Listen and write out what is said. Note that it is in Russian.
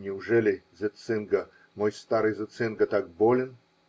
-- Неужели Зецинго, мой старый Зецинго, так болен?